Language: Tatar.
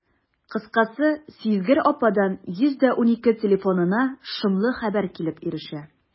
Кыскасы, сизгер ападан «112» телефонына шомлы хәбәр килеп ирешә.